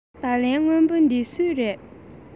སྦ ལན སྔོན པོ འདི སུའི རེད